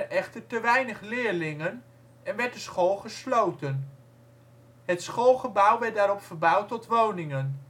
echter te weinig leerlingen en werd de school gesloten. Het schoolgebouw werd daarop verbouwd tot woningen